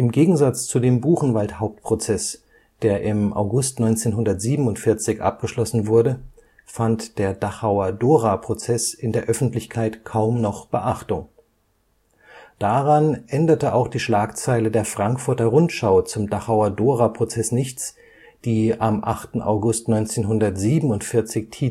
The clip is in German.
Gegensatz zu dem Buchenwald-Hauptprozess, der im August 1947 abgeschlossen wurde, fand der Dachauer Dora-Prozess in der Öffentlichkeit kaum noch Beachtung. Daran änderte auch die Schlagzeile der Frankfurter Rundschau zum Dachauer Dora-Prozess nichts, die am 8. August 1947